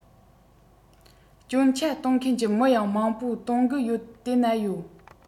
སྐྱོན ཆ སྟོན མཁན གྱི མི ཡང མང པོ གཏོང གི ཡོད དེ ན ཡོད